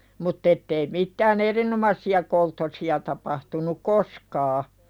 mutta että ei mitään erinomaisia kolttosia tapahtunut koskaan